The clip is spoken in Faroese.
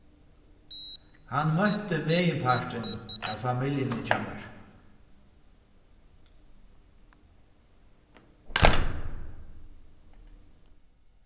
hann møtti meginpartin av familjuni hjá mær